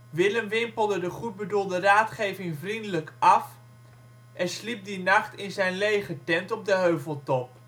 Willem wimpelde de goed bedoelde raadgeving vriendelijk af en sliep die nacht in zijn legertent op de heuveltop